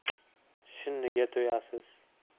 shinniga to'yasiz